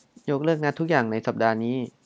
ยกเลิกนัดทุกอย่างในสัปดาห์นี้